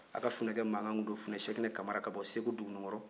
a ka funɛkɛ mankan don funɛ sɛkinɛ kamara ka bɔ segu duguninkɔrɔ